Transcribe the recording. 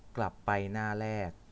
กลับไปหน้าแรก